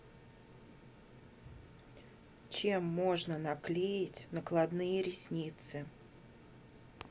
чем можно наклеить накладные ресницы